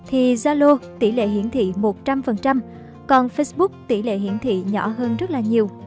thì zalo tỷ lệ hiển thị phần trăm còn facebook tỷ lệ hiển thị nhỏ hơn rất là nhiều